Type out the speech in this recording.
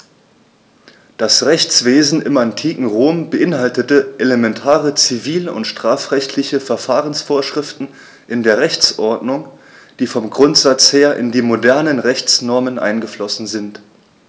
Das Rechtswesen im antiken Rom beinhaltete elementare zivil- und strafrechtliche Verfahrensvorschriften in der Rechtsordnung, die vom Grundsatz her in die modernen Rechtsnormen eingeflossen sind.